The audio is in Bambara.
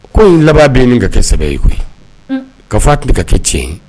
Ko nin laban bɛ nin ka kɛ sɛ ye koyi ka fɔ a tun ka kɛ tiɲɛ ye